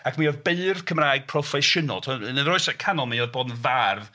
Ac mi oedd beirdd Cymraeg proffesiynol tibod... yn yr Oesau Canol mi oedd bod yn fardd...